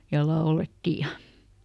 ja laulettiin ja